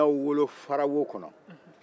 n y'aw wolo farawo kɔnɔ